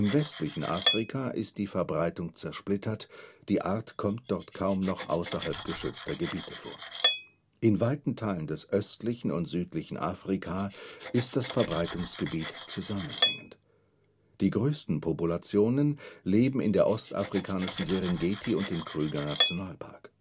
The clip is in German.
westlichen Afrika ist die Verbreitung zersplittert, die Art kommt dort kaum noch außerhalb geschützter Gebiete vor. In weiten Teilen des östlichen und südlichen Afrika ist das Verbreitungsgebiet zusammenhängend. Die größten Populationen leben in der ostafrikanischen Serengeti und im Kruger-Nationalpark